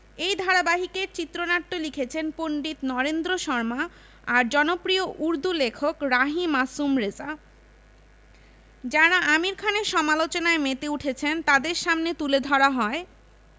এই ধারাবাহিকের চিত্রনাট্য লিখেছেন পণ্ডিত নরেন্দ্র শর্মা আর জনপ্রিয় উর্দু লেখক রাহি মাসুম রেজা যাঁরা আমির খানের সমালোচনায় মেতে উঠেছেন তাঁদের সামনে তুলে ধরা হয়